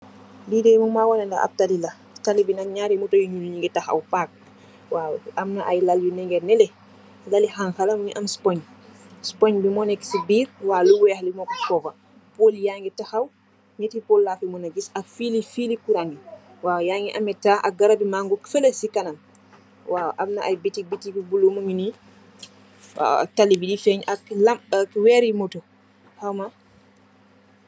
Li deh munga woneh neh ab taali la taali bi nak narri moto yu nuul nyugi taxaw pack waw amna ay laal yu neke nele laali hanxa la mogi ameh sponge sponge bi mo neka si birr waw lu weex moko cover pole yagi taxaw neeti pole lafi muna giss ak fili fili kuran waw yagi ameh tahh ak garabi mango fele si kanam waw amna ay boutique boutique bu bulo mogi nee waw ak talibeh di feng ak weei ri moto hawma.